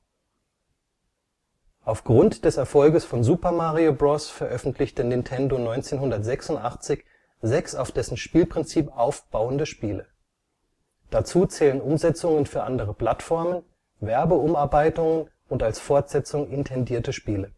Aufgrund des Erfolges von Super Mario Bros. veröffentlichte Nintendo 1986 sechs auf dessen Spielprinzip aufbauende Spiele. Dazu zählen Umsetzungen für andere Plattformen, (Werbe -) Umarbeitungen und als Fortsetzung intendierte Spiele